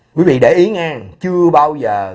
quý vị để ý nghe chưa bao giờ